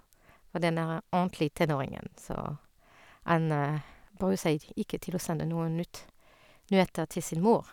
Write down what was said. Fordi han er ordentlig tenåringen, så han bryr seg t ikke til å sende noe nytt nyheter til sin mor.